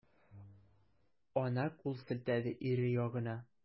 Ана кул селтәде ире ягына.